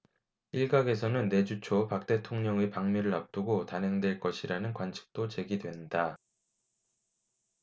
일각에서는 내주 초 박 대통령의 방미를 앞두고 단행될 것이라는 관측도 제기된다